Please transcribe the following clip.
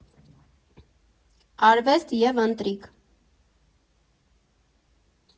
Արվեստ և ընթրիք։